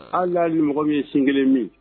An y'a ni mɔgɔ min ye sin kelen min